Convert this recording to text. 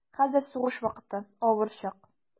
Хәзер сугыш вакыты, авыр чак.